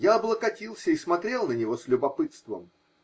я облокотился и смотрел на него с любопытством.